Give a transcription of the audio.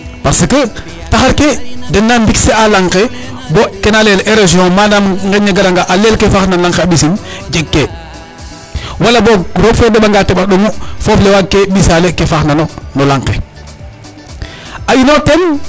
Parce que taxar ke den na mixe e a lanq ke bo k ena layel érosion manaam nqeñ ne garanga a leelkee ke faaxna lanq ke a ɓisin jegkee wala boog roog fe deɓanga a teƥ a ɗomu foof le waagkee ɓisaalekee faax na no lanq ke a inoor teen.